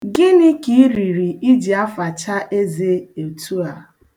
Gịnị ka ị riri ị ji afacha eze otua?